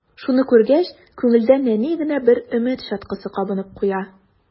Шуны күргәч, күңелдә нәни генә бер өмет чаткысы кабынып куя.